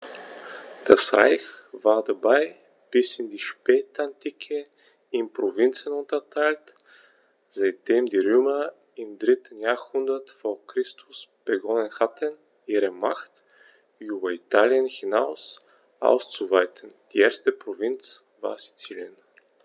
Das Reich war dabei bis in die Spätantike in Provinzen unterteilt, seitdem die Römer im 3. Jahrhundert vor Christus begonnen hatten, ihre Macht über Italien hinaus auszuweiten (die erste Provinz war Sizilien).